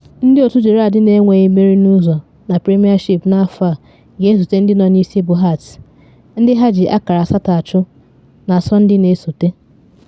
Ndị otu Gerrard na enweghị mmeri n’ụzọ na Premiership n’afọ a ga-ezute ndị nọ n’isi bụ Hearts, ndị ha ji akara asatọ achụ, na Sọnde na esote.